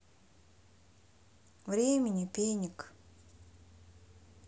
времени пенек